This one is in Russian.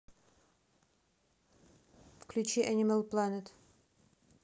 включи энимал планет